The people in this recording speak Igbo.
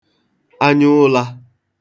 anyaụlā